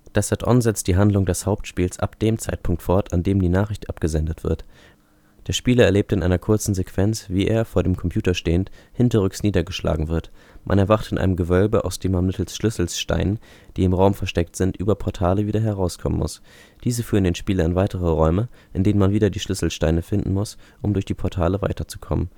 Das Add-on setzt die Handlung des Hauptspiels ab dem Zeitpunkt fort, an dem die Nachricht abgesendet wird. Der Spieler erlebt in einer kurzen Sequenz, wie er, vor dem Computer stehend, hinterrücks niedergeschlagen wird. Man erwacht in einem Gewölbe, aus dem man mittels Schlüsselsteinen, die im Raum versteckt sind, über Portale wieder herauskommen muss. Diese führen den Spieler in weitere Räume, in denen man wieder die Schlüsselsteine finden muss, um durch die Portale weiter zu kommen